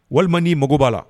Walima n mago b'a la